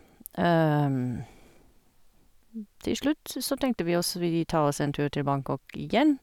Til slutt så tenkte vi oss vi tar oss en tur til Bangkok igjen.